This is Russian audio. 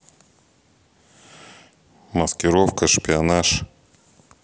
маскировка шпионаж